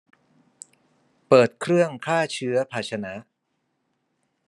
เปิดเครื่องฆ่าเชื้อภาชนะ